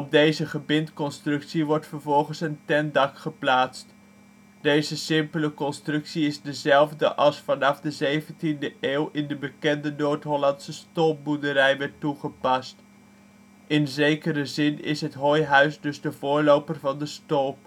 deze gebintconstructie wordt vervolgens een tentdak geplaatst. Deze simpele constructie is dezelfde als vanaf de zeventiende eeuw in de bekende Noord-Hollandse stolpboerderij werd toegepast. In zekere zin is het hooihuis dus de voorloper van de stolp